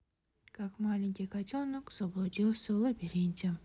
как маленький котенок заблудился в лабиринте